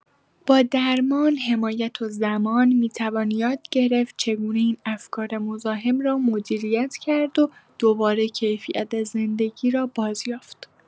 با درمان، حمایت و زمان می‌توان یاد گرفت چگونه این افکار مزاحم را مدیریت کرد و دوباره کیفیت زندگی را بازیافت.